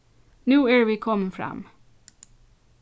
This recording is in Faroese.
nú eru vit komin fram